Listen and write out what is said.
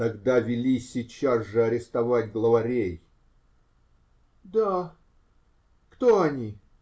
-- Тогда вели сейчас же арестовать главарей. -- Да. Кто они?